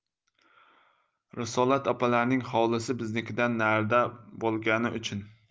risolat opalarning hovlisi biznikidan narida bo'lgani uchun